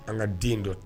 An ka den dɔ